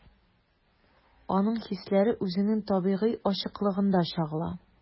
Аның хисләре үзенең табигый ачыклыгында чагыла.